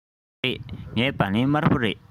མ རེད ངའི སྦ ལན དམར པོ རེད